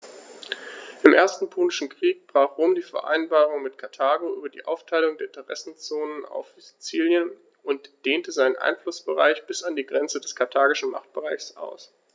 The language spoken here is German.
Im Ersten Punischen Krieg brach Rom die Vereinbarung mit Karthago über die Aufteilung der Interessenzonen auf Sizilien und dehnte seinen Einflussbereich bis an die Grenze des karthagischen Machtbereichs aus.